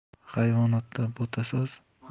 hayvonotda bo'ta soz